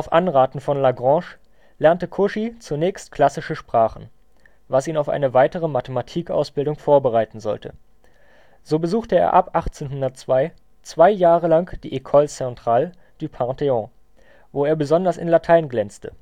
Anraten von Lagrange lernte Cauchy zunächst klassische Sprachen, was ihn auf eine weitere Mathematikausbildung vorbereiten sollte. So besuchte er ab 1802 zwei Jahre lang die École Centrale du Panthéon, wo er besonders in Latein glänzte